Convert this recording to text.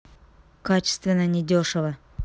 качественно недешево